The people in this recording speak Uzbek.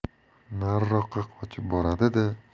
nariroqqa qochib boradi da